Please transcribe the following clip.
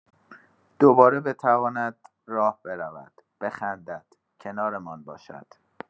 دوباره بتواند راه برود، بخندد، کنارمان باشد.